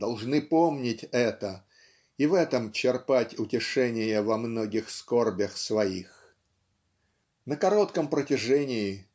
должны помнить это и в этом черпать утешение во многих скорбях своих. На коротком протяжении